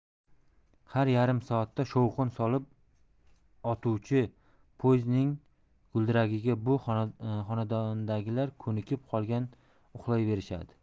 har yarim soatda shovqin solib o'tuvchi poezdning guldiragiga bu xonadondagilar ko'nikib qolgan uxlayverishadi